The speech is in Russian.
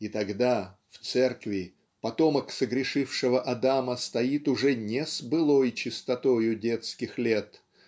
И тогда в церкви потомок согрешившего Адама стоит уже не с былой чистотою детских лет